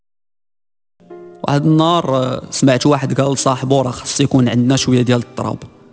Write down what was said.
النار سمعت واحد قال لصاحبه رخص يكون عندنا شويه التراب